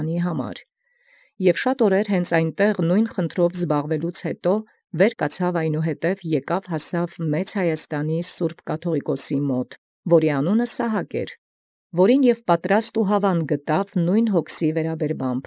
Կորյուն Եւ իբրև աւուրս բազումս անդէն ի նմին դեգերէր, յարուցեալ այնուհետև հասանէր առ սուրբ կաթուղիկոսն Հայոց Մեծաց, որոյ անունն ճանաչէր Սահակ, զոր պատրաստական գտանէր նմին փութոյ հաւանեալ։